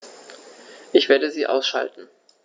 Ich werde sie ausschalten